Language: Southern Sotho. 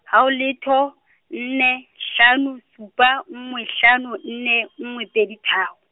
ha ho letho, nne, hlano, supa, nngwe, hlano nne, nngwe pedi tharo.